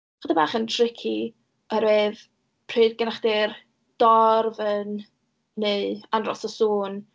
chydig bach yn tricky, oherwydd pryd gennach chdi'r dorf yn wneud anros o sŵn...